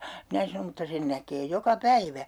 minä sanon mutta sen näkee joka päivä